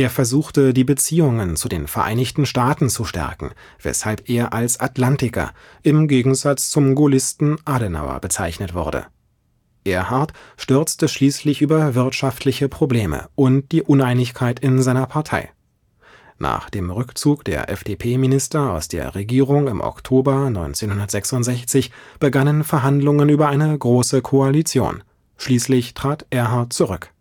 versuchte, die Beziehungen zu den Vereinigten Staaten zu stärken, weshalb er als „ Atlantiker “im Gegensatz zum „ Gaullisten “Adenauer bezeichnet wurde. Erhard stürzte schließlich über wirtschaftliche Probleme und die Uneinigkeit in seiner Partei. Nach dem Rückzug der FDP-Minister aus der Regierung im Oktober 1966 begannen Verhandlungen über eine Große Koalition, schließlich trat Erhard zurück